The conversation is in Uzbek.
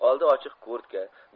oldi ochiq kurtka